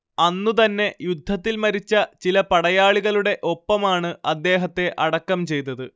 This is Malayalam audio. അന്നു തന്നെ യുദ്ധത്തിൽ മരിച്ച ചില പടയാളികളുടെ ഒപ്പമാണ് അദ്ദേഹത്തെ അടക്കം ചെയ്തത്